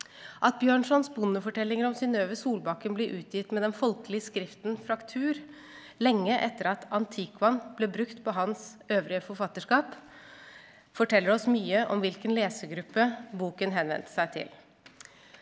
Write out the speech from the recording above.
at Bjørnsons bondefortellinger om Synnøve Solbakken blir utgitt med den folkelige skriften Fraktur lenge etter at Antiqua ble brukt på hans øvrige forfatterskap forteller oss mye om hvilken lesergruppe boken henvendte seg til.